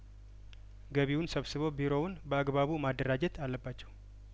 ገቢውን ሰብስበው ቢሮውን በአግባቡ ማደራጀት አለባቸው